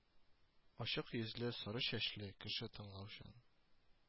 Ачык йөзле, сары чәчле, кеше тыңлаучан